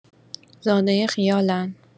زادۀ خیال اند.